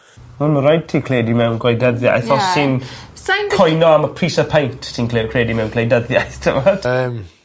Wel ma' raid ti credu mewn gwleidyddiaeth... Ie. ...os ti'n ... Sai'n gw-... ...cwyno am y prise peint ti'n cle- credu mewn gwleidyddiaeth t'mao? Yym.